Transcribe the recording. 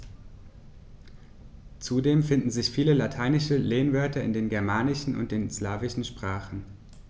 Zudem finden sich viele lateinische Lehnwörter in den germanischen und den slawischen Sprachen.